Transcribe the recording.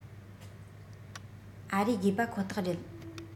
ཨ རིའི དགོས པ ཁོ ཐག རེད